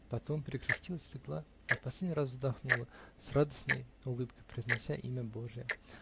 потом перекрестилась легла и в последний раз вздохнула, с радостной улыбкой, произнося имя Божие.